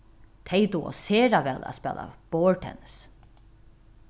tey duga sera væl at spæla borðtennis